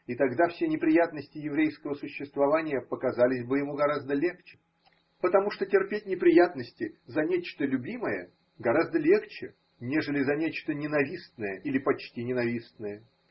и тогда все неприятности еврейского существования показались бы ему гораздо легче, потому что терпеть неприятности за нечто любимое гораздо легче, нежели за нечто нена вистное или почти ненавистное.